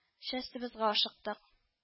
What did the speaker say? Частебызга ашыктык